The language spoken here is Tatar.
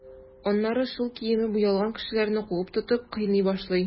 Аннары шул киеме буялган кешеләрне куып тотып, кыйный башлый.